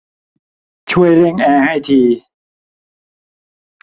ช่วยเร่งแอร์ให้ที